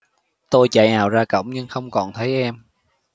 tôi chạy ào ra cổng nhưng không còn thấy em